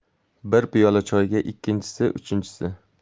bir piyola choyga ikkinchisi uchinchisi